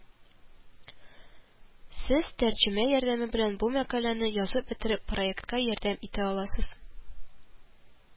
Сез тәрҗемә ярдәме белән бу мәкаләне язып бетереп проектка ярдәм итә аласыз